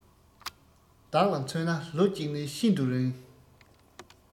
བདག ལ མཚོན ན ལོ གཅིག ནི ཤིན ཏུ རིང